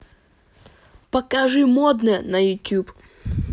покажи модное на ютуб